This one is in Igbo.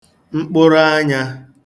mkpụrụanyā